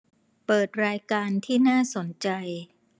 เปิดรายการที่น่าสนใจ